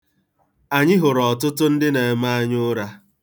Anyị hụrụ ọtụtụ ndị na-eme anyaụra.